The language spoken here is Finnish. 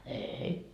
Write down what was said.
ei